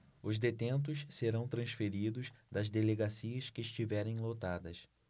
os detentos serão transferidos das delegacias que estiverem lotadas